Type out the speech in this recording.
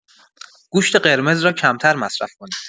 گوشت قرمز را کمتر مصرف کنید.